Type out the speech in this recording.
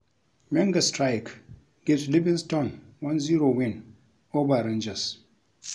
Menga strike gives Livingston 1-0 win over Rangers